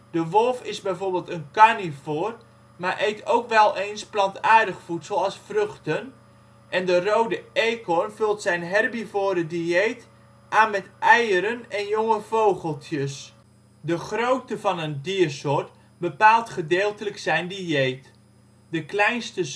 de wolf is bijvoorbeeld een carnivoor, maar eet ook wel eens plantaardig voedsel als vruchten, en de rode eekhoorn vult zijn herbivore dieet aan met eieren en jonge vogeltjes. Een zuidelijke kortstaartspitsmuis (Blarina carolinensis). Om hun lichaamstemperatuur constant te houden, moeten spitsmuizen bijna de gehele dag op zoek naar voedsel. De grootte van een diersoort bepaalt gedeeltelijk zijn dieet. De kleinste zoogdieren